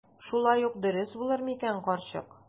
Шулай ук дөрес булыр микән, карчык?